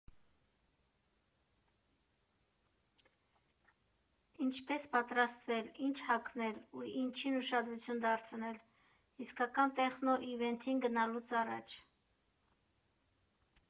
Ինչպես պատրաստվել, ինչ հագնել ու ինչին ուշադրություն դարձնել՝ իսկական տեխնո իվենթին գնալուց առաջ։